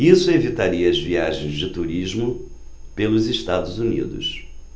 isso evitaria as viagens de turismo pelos estados unidos